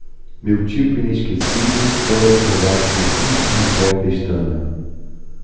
meu tipo inesquecível é o advogado francisco rangel pestana